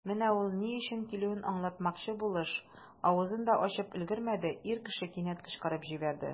Менә ул, ни өчен килүен аңлатмакчы булыш, авызын да ачып өлгермәде, ир кеше кинәт кычкырып җибәрде.